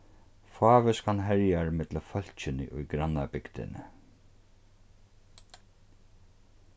fávitskan herjar millum fólkini í grannabygdini